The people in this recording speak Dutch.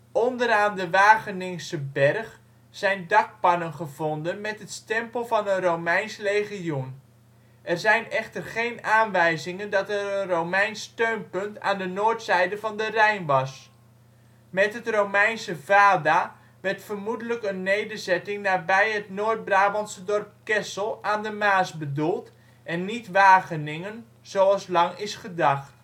Onderaan de Wageningse Berg zijn dakpannen gevonden met het stempel van een Romeins legioen. Er zijn echter geen aanwijzingen dat er een Romeins steunpunt aan deze noordzijde van de Rijn was. Met het Romeinse Vada werd vermoedelijk een nederzetting nabij het Noord-Brabantse dorp Kessel aan de Maas bedoeld, en niet Wageningen, zoals lang is gedacht